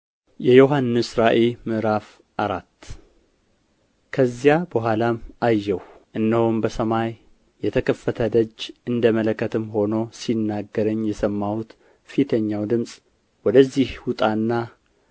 የዮሐንስ ራእይ ምዕራፍ አራት ከዚያ በኋላም አየሁ እነሆም በሰማይ የተከፈተ ደጅ እንደ መለከትም ሆኖ ሲናገረኝ የሰማሁት ፊተኛው ድምፅ ወደዚህ ውጣና